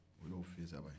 o y'o fin saba ye